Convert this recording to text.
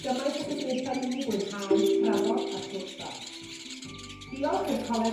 gymaint ag y gwnaetho' ni fwynhau trafod a sgwrsio. Diolch i'r Coleg